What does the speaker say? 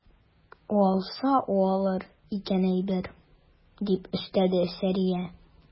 Уалса уалыр икән әйбер, - дип өстәде Сәрия.